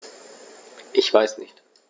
Ich weiß nicht.